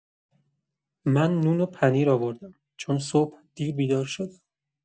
من نون و پنیر آوردم، چون صبح دیر بیدار شدم.